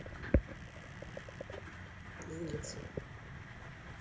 вылиться